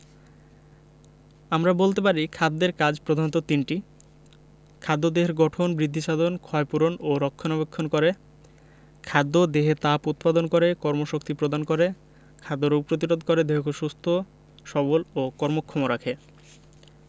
আমরা বলতে পারি খাদ্যের কাজ প্রধানত তিনটি খাদ্য দেহের গঠন বৃদ্ধিসাধন ক্ষয়পূরণ ও রক্ষণাবেক্ষণ করে খাদ্য দেহে তাপ উৎপাদন করে কর্মশক্তি প্রদান করে খাদ্য রোগ প্রতিরোধ করে দেহকে সুস্থ সবল এবং কর্মক্ষম রাখে